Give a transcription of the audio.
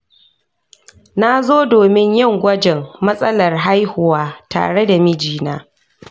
na zo domin yin gwajin matsalar haihuwa tare da mijina.